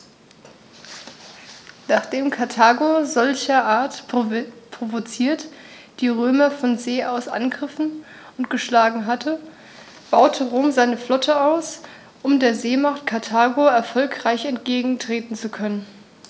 Nachdem Karthago, solcherart provoziert, die Römer von See aus angegriffen und geschlagen hatte, baute Rom seine Flotte aus, um der Seemacht Karthago erfolgreich entgegentreten zu können.